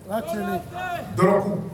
A cɛ daku